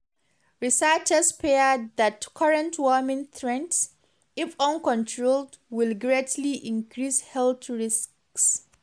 Researchers fear that current warming trends, if uncontrolled, will greatly increase health risks.